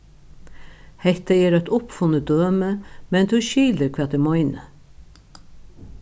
hetta er eitt uppfunnið dømi men tú skilir hvat eg meini